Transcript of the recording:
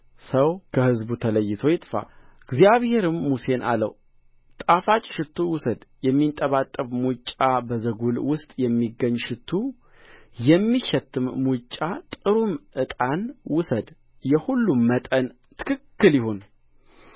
ሰው ላይ የሚያፈስሰው ከሕዝቡ ተለይቶ ይጥፋ እግዚአብሔርም ሙሴን አለው ጣፋጭ ሽቱ ውሰድ የሚንጠባጠብ ሙጫ በዛጎል ውስጥ የሚገኝ ሽቱ የሚሸትትም ሙጫ ጥሩም እጣን ውሰድ የሁሉም መጠን ትክክል ይሁን